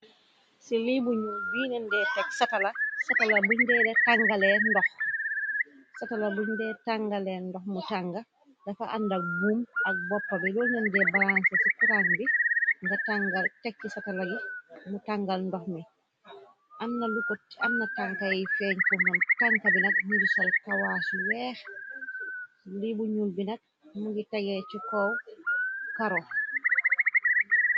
Ci lii bu ñuul bindeesatala buñdee tàngalee ndox mu tànga dafa àndak buum ak bopp bi lolnende balansé ci kuraŋ bi nga tangal tekki satala yi mu tangal ndox mi amna luko ti amna tankaay feeñ funa tanka binag ningi sol kawaas yu weex lii bu ñul bi nag mi ngi tegee ci kow karo.